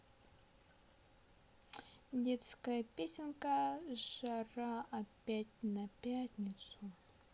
детская песенка жара опять на пятницу